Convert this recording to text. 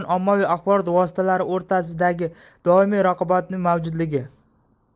axborot vositalari o'rtasidagi doimiy raqobatning mavjudligi